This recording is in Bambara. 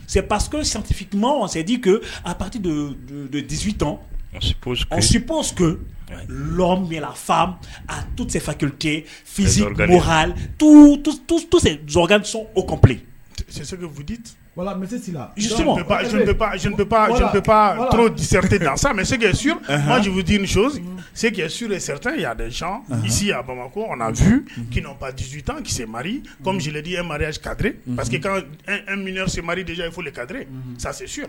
Paseke santifindi ko a don don disitsi min fa a tu faz tuso orite mɛ se suur suur tandcsi bamakɔ tansɛ mariridi mari kari pa parce que ka mi sɛ mariri dez ye foli kadiri sa